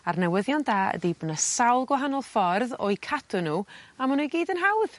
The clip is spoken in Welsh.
a'r newyddion da ydi bo' 'na sawl gwahanol ffordd o'u cadw n'w a ma' n'w i gyd yn hawdd.